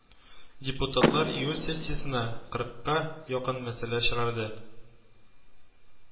Депутатлар июль сессиясенә кырыкка якын мәсьәлә чыгарды